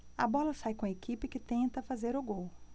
a bola sai com a equipe que tenta fazer o gol